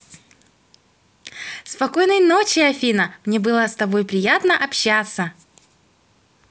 спокойной ночи афина мне было с тобой приятно общаться